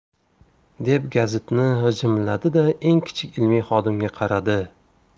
deb gazitni g'ijimladi da eng kichik ilmiy xodimga qaradi